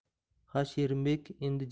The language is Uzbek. ha sherimbek endi jiyanini